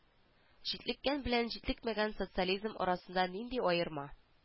Җитлеккән белән җитлекмәгән социализм арасында нинди аерма